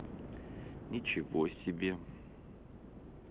ничего себе